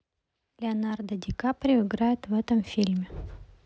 леонардо ди каприо играет в этом фильме